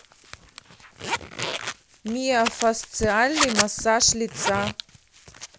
миофасциальный массаж лица